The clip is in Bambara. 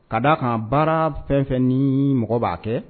Ka da' a ka baara fɛn ni mɔgɔ b'a kɛ